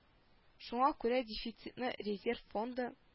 Шуңа күрә дефицитны резерв фонды